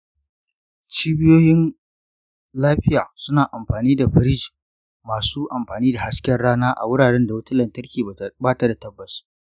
cibiyoyin lafiya suna amfani da firij masu amfani da hasken rana a wuraren da wutar lantarki ba ta da tabbas.